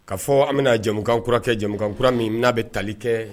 Kaa fɔ an bɛna jamukankura kɛ jamukankura min n'a bɛ tali kɛ